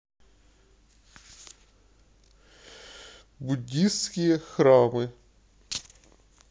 буддистские храмы